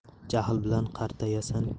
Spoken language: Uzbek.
jahl bilan qartayasan